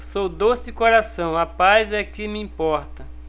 sou doce de coração a paz é que me importa